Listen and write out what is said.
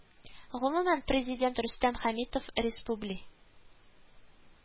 Гомумән, Президент Рөстәм Хәмитов республи